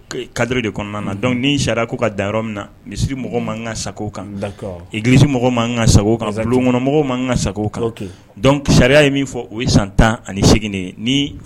Cadre de kɔnɔna donc ni sariya ko ka dan yɔrɔ min na misiri mɔgɔw ma kan ka sago o kan, d'accord, église mɔgɔw ma kan ka sago o kan bulonkɔnɔ mɔgɔw ma kan ka sago o kan ok, donc sariya ye min fɔ u ye san 18 de ye, ni